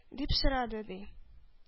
— дип сорады, ди.